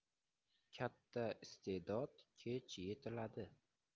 katta istedod kech yetiladi